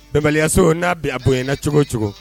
Kamalenbaliyaso n'a bɛ a bonyana cogo cogo